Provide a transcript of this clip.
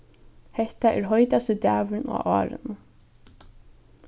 hetta er heitasti dagurin á árinum